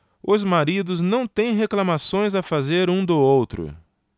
os maridos não têm reclamações a fazer um do outro